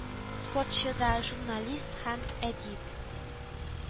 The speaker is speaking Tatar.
Спортчы да, журналист һәм әдип